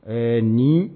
Ɛɛ ni